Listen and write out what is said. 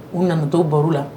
U nanatɔ baro la